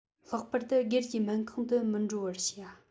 ལྷག པར དུ སྒེར གྱི སྨན ཁང དུ མི འགྲོ བར བྱ